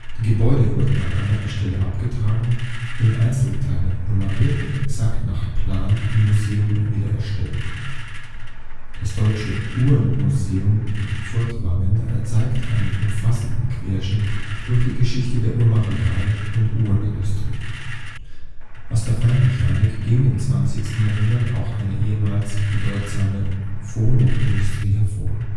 Die Gebäude wurden an anderer Stelle abgetragen, die Einzelteile nummeriert und exakt nach Plan im Museum wieder erstellt. Das Deutsche Uhrenmuseum in Furtwangen zeigt einen umfassenden Querschnitt durch die Geschichte der Uhrmacherei und Uhrenindustrie. Aus der Feinmechanik ging im 20. Jahrhundert auch eine ehemals bedeutsame Phonoindustrie hervor